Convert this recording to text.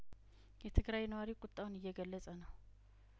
የትግራይነዋሪ ቁጣውን እየገለጸ ነው